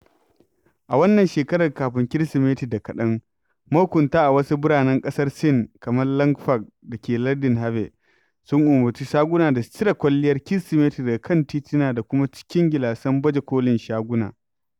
A wannan shekarar, kafin Kirsimeti da kaɗan, mahukunta a wasu biranen ƙasar Sin kamar Langfang da ke lardin Hebei, sun umarci shaguna da su cire kwalliyar Kirsimeti daga kan tituna da kuma cikin gilasan baje kolin shaguna.